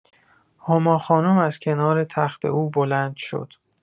هما خانم از کنار تخت او بلند شد.